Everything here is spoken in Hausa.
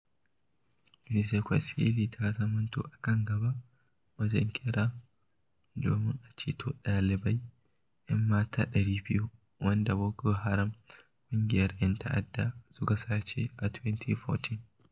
Ezekwesili ta zamanto a kan gaba wajen kira domin a ceto ɗalibai 'yan mata 200 waɗanda Boko Haram ƙungiyar 'yan ta'adda suka sace a 2014.